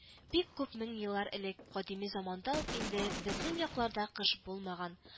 Бик күп мең еллар элек, кадими заманда ук инде, безнең якларда кыш булмаган